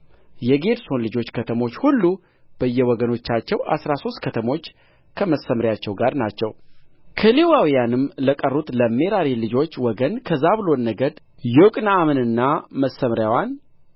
የጌድሶን ልጆች ከተሞች ሁሉ በየወገኖቻቸው አሥራ ሦስት ከተሞች ከመሰምርያቸው ጋር ናቸው ከሌዋውያንም ለቀሩት ለሜራሪ ልጆች ወገን ከዛብሎን ነገድ ዮቅንዓምንና መሰምርያዋን